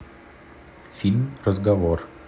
фильм разговор